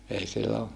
ei silloin